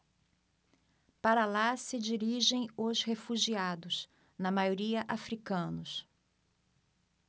para lá se dirigem os refugiados na maioria hútus